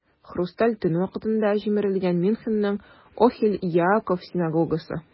"хрусталь төн" вакытында җимерелгән мюнхенның "охель яаков" синагогасы.